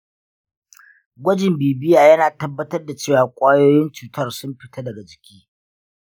gwajin bibiya yana tabbatar da cewa ƙwayoyin cutar sun fita daga jiki.